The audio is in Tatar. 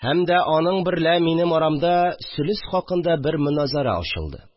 Һәм дә аның берлә минем арамда сөлес хакында бер моназарә ачылды